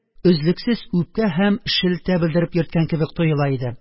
Өзлексез үпкә һәм шелтә белдереп йөргән кебек тоела иде